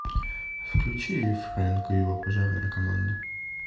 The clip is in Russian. включи фрэнк и его пожарная команда